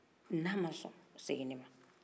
n'a ma sɔn seginni ma